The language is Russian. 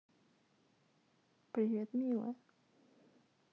привет милая